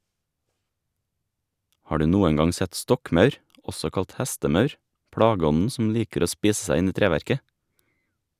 Har du noen gang sett stokkmaur, også kalt hestemaur, plageånden som liker å spise seg inn i treverket?